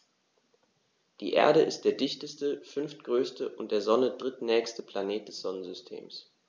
Die Erde ist der dichteste, fünftgrößte und der Sonne drittnächste Planet des Sonnensystems.